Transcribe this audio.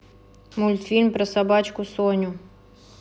мультфильм про собачку соню